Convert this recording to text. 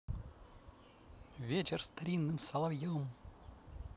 вечер старинным соловьем